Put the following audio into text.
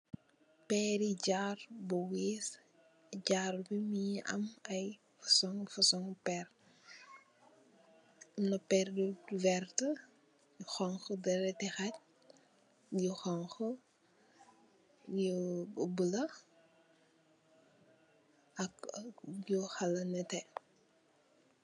Pehrri jaarou bu wiss, jaarou bii mungy am aiiy fason fason pehrre, amna pehrre bu vertue, honhu, dehrehti hajj, yu honhu, yu bleu, ak yu halah nehteh.